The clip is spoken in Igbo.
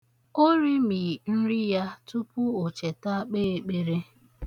O rimi nri ya tupu o cheta kpe ekpere.